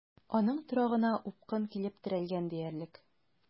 Аның торагына упкын килеп терәлгән диярлек.